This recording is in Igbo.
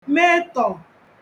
metọ̀